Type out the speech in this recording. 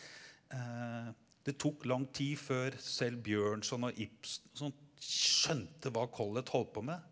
det tok lang tid før selv Bjørnson og Ibsen og sånt skjønte hva Collett holdt på med.